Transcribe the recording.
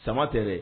Sama tɛ dɛ